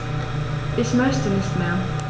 Ich möchte nicht mehr.